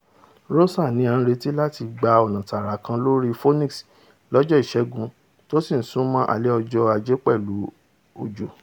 Rosa ni a retí láti gba ọ̀nà tààrà kan lórí Phoenix lọjọ́ Ìṣẹ́gun, tósì ńsúnmọ́ alẹ́ ọjọ́ Ajé pẹ̀lú òjò.